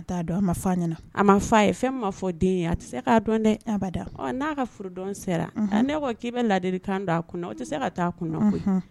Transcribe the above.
A dɔn ma a ma ye fɛn ma fɔ den a tɛ k'a dɔn dɛ n'a ka furu dɔn sera ne ko k'i bɛ ladielikan d a kun o tɛ se ka taa kun